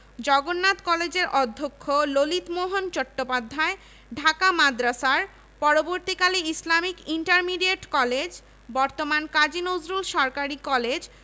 জগন্নাথ কলেজের অধ্যক্ষ ললিতমোহন চট্টোপাধ্যায় ঢাকা মাদ্রাসার পরবর্তীকালে ইসলামিক ইন্টারমিডিয়েট কলেজ বর্তমান কাজী নজরুল সরকারি কলেজ